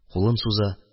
Кулын суза.